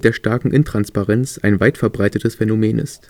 starken Intransparenz ein weit verbreitetes Phänomen ist